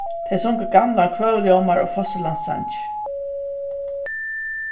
tey sungu gamlar kvøðuljómar og fosturlandssangir